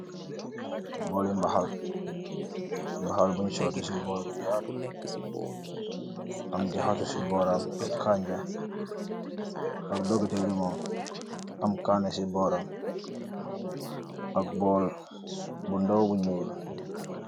buli mahal ,am jahatou , kany ak lemon am kani ak bul bu naw bu njul